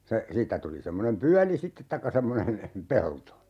se siitä tuli semmoinen pyöli sitten tai semmoinen pelto